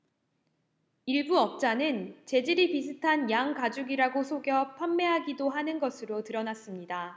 일부 업자는 재질이 비슷한 양 가죽이라고 속여 판매하기도 하는 것으로 드러났습니다